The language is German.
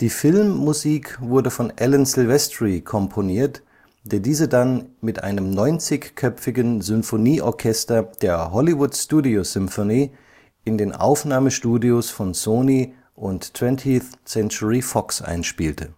Filmmusik wurde von Alan Silvestri komponiert, der diese dann mit einem 90-köpfigen Symphonieorchester der Hollywood Studio Symphony in den Aufnahmestudios von Sony und 20th Century Fox einspielte